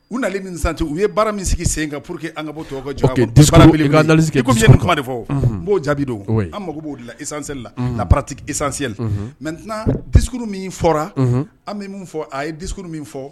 U nali ni santu u ye baara min sigi sen ka po que an ka bɔ tɔgɔ jɔ wele sen ni kuma de fɔ b'o jaabidon an mako b'o de la isanalila la pati isanla mɛ tɛna dikkuru min fɔra an bɛ min fɔ a ye dikuru min fɔ